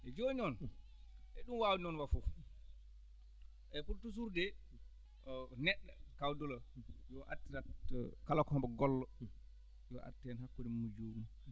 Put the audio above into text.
jooni noon e ɗum wawde noon wah fof e pour toujours de neɗɗo kaw Doula yo artirat kala ko mbo golloo yo artir heen hakkunde mum e joomum